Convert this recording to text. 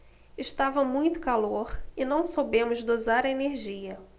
estava muito calor e não soubemos dosar a energia